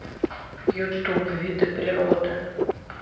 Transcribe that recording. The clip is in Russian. ютуб виды природы